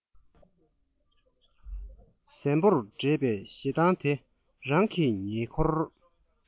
གཟན པོར འདྲེས པའི ཞེ སྡང དེ རང གི ཉེ འཁོར